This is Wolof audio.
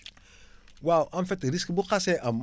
waaw en fait risque bu xasee am